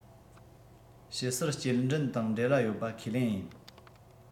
དཔྱིད གསར སྐྱེལ འདྲེན དང འབྲེལ བ ཡོད པ ཁས ལེན ཡིན